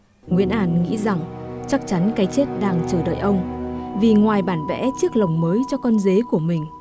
nguyễn an nghĩ rằng chắc chắn cái chết đang chờ đợi ông vì ngoài bản vẽ chiếc lồng mới cho con dế của mình